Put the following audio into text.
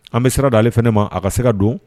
An bɛ sira da ale fana ma a ka se ka don